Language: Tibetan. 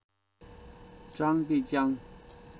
ཀྲང ཏེ ཅང